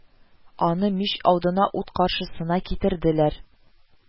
Аны мич алдына ут каршысына китерделәр